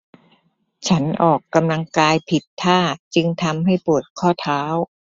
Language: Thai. ฉันออกกำลังกายผิดท่าจึงทำให้ปวดข้อเท้า